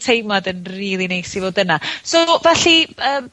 ...teimlad yn rili neis i fod yna. So, felly, yy,